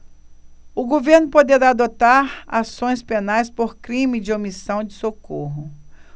o governo poderá adotar ações penais por crime de omissão de socorro